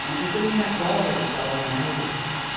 Ond ydyn ni'n agored i gael y newid.